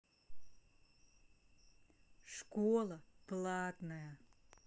школа платная